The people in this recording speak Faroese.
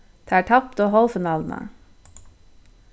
teir taptu hálvfinaluna